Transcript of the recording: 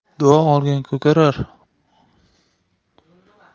duo olgan ko'karar